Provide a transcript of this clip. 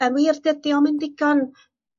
yn wir dydi o'm yn digon